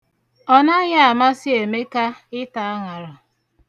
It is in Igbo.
Ọnaghị amasị Emeka ịta aṅara